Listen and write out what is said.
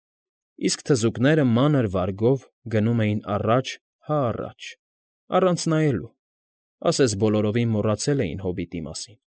Իսկ թզուկները մանր վարգով գնում էին առաջ հա առաջ, առանց նայելու, ասես բոլորովին մոռացել էին հոբիտի մասին։